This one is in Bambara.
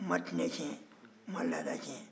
u ma tana tiɲɛ u ma laada tiɲɛ